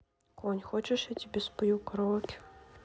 конь хочешь я тебе спою караоке